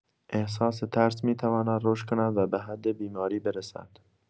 احساس ترس می‌تواند رشد کند و به حد بیماری برسد.